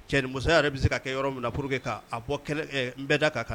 Cɛnimusoya yɛrɛ be se ka kɛ yɔrɔ minna pour que ka a bɔ kɛnɛ ɛɛ n bɛɛ da ka kan